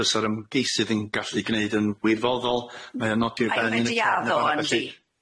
fysa'r ymgeisydd yn gallu gneud yn wirfoddol mae o'n nodi'r ben Yn medru ardo yndi.